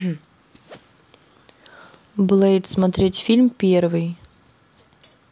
блэйд смотреть фильм первый